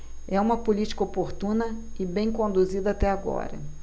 é uma política oportuna e bem conduzida até agora